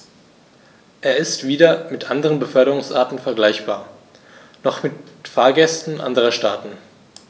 Er ist weder mit anderen Beförderungsarten vergleichbar, noch mit Fahrgästen anderer Staaten.